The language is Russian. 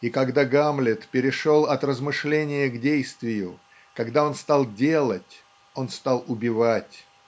И когда Гамлет перешел от размышления к действию когда он стал делать он стал убивать.